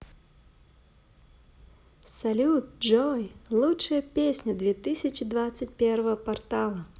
салют джой лучшая песня две тысячи двадцать первого портала